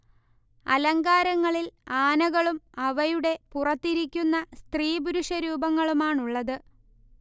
അലങ്കാരങ്ങളിൽ ആനകളും അവയുടെ പുറത്തിരിക്കുന്ന സ്ത്രീപുരുഷ രൂപങ്ങളുമാണുള്ളത്